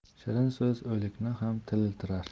shirin so'z o'likni ham tiriltirar